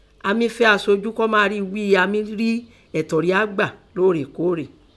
À mí fẹ́ aṣojú kọ́ máa rí wí i à mí rí ẹtọ ria gbà lóòrèkóòrè.